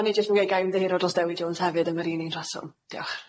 O'n i jyst yn g- ga'i ymddiheuro dros Dewi Jones hefyd am yr un un rheswm. Diolch.